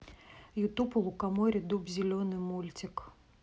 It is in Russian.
ютуб у лукоморья дуб зеленый мультик